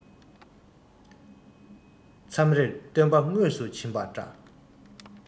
མཚམས རེར སྟོན པ དངོས སུ བྱོན པ འདྲ